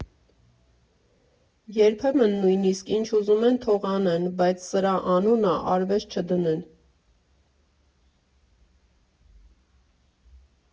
Երբեմն նույնիսկ՝ «ինչ ուզում են թող անեն, բայց սրա անունը արվեստ չդնեն»։